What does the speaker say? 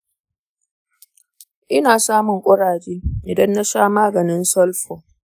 ina samun ƙuraje idan na sha maganin sulfur.